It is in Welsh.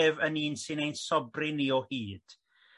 yn un sy'n ei sobri ni o hyd.